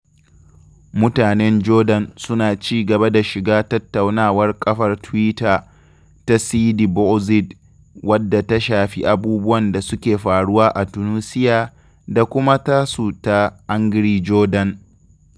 Mutanen Jordan suna ci gaba da shiga tattaunawar kafar Tiwita ta #sidibouzid (wadda ta shafi abubuwan da suke faruwa a Tunusia) da kuma tasu ta #angryjordan.